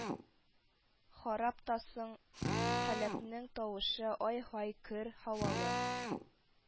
Харап та соң, Халәпнең тавышы ай-һай көр, һавалы